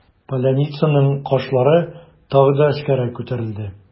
Поляницаның кашлары тагы да өскәрәк күтәрелде.